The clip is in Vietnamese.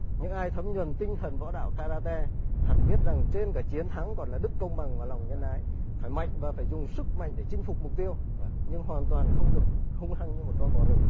những ai thấm nhuần tinh thần võ đạo ka ra te hẳn biết rằng trên cả chiến thắng còn là đức công bằng và lòng nhân ái phải mạnh và phải dùng sức mạnh để chinh phục mục tiêu nhưng hoàn toàn không được hung hăng như một con bò rừng